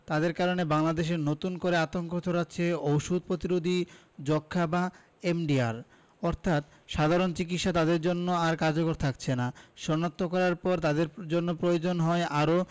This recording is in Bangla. তাদের কারণে বাংলাদেশে নতুন করে আতঙ্ক ছড়াচ্ছে ওষুধ প্রতিরোধী যক্ষ্মা বা এমডিআর অর্থাৎ সাধারণ চিকিৎসা তাদের জন্য আর কার্যকর থাকছেনা শনাক্ত করার পর তাদের জন্য প্রয়োজন হয় আরও